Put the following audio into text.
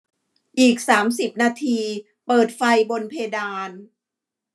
อีกสามสิบนาทีเปิดไฟบนเพดาน